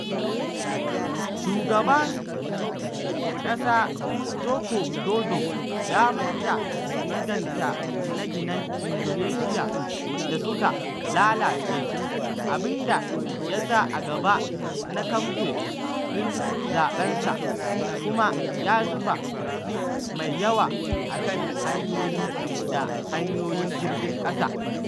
Shugaba Ƙasa Joko Widodo ya maida inganta gine-ginen Indonesiya da suka lalace abin da ya sa a gaba na kamfe ɗin zaɓensa, kuma ya zuba kuɗi mai yawa a kan hanyoyi da hanyoyin jirgin ƙasa.